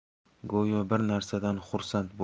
go'yo bir narsadan xursand